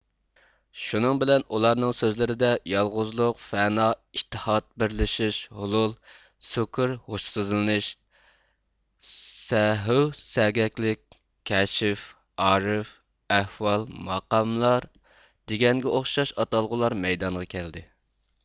شۇنىڭ بىلەن ئۇلارنىڭ سۆزلىرىدە يالغۇزلۇق فەنا ئىتتىھاد بىرلىشىش ھۇلۇل سۇكرھوشسىزلىنىش سەھۋسەگەكلىك كەشف ئارىف ئەھۋال ماقاملار دېگەنگە ئوخشاش ئاتالغۇلار مەيدانغا كەلدى